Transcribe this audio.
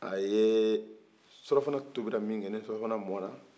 ee surafana tobila min kɛ ni sura fana mɔna